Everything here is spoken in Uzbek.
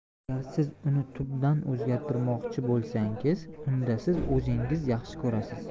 agar siz uni tubdan o'zgartirmoqchi bo'lsangiz unda siz o'zingizni yaxshi ko'rasiz